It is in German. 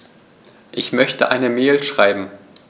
Ich möchte eine Mail schreiben.